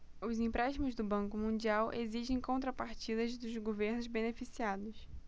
os empréstimos do banco mundial exigem contrapartidas dos governos beneficiados